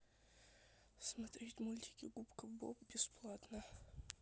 смотреть мультики губка боб бесплатно